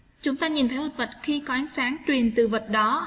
chúng ta nhìn thấy một vật khi có ánh sáng truyền từ vật đó